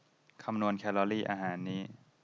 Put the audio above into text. คำนวณแคลอรี่อาหารนี้